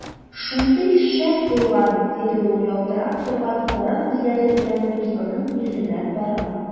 Шундый шәп булган! - диде ул ялтырап торган кара күзләре белән дусының йөзенә карап.